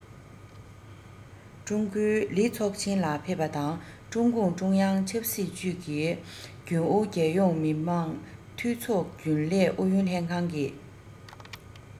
ཀྲང ཀའོ ལི ཚོགས ཆེན ལ ཕེབས པ དང ཀྲུང གུང ཀྲུང དབྱང ཆབ སྲིད ཅུས ཀྱི རྒྱུན ཨུ རྒྱལ ཡོངས མི དམངས འཐུས ཚོགས རྒྱུན ལས ཨུ ཡོན ལྷན ཁང གི